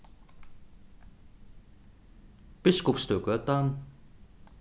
biskupsstøðgøta